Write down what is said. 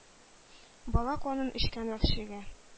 Бала канын эчкән вәхшигә!